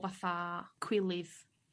fatha cwilydd